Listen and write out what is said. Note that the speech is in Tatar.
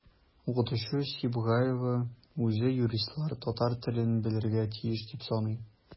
Укытучы Сибгаева үзе юристлар татар телен белергә тиеш дип саный.